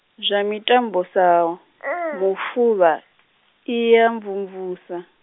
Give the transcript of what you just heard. zwa mitambo sa, mufuvha, i ya mvumvusa.